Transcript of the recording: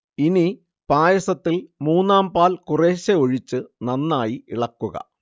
ഇനി പായസത്തിൽ മൂന്നാം പാൽ കുറേശ്ശെ ഒഴിച്ച് നന്നായി ഇളക്കുക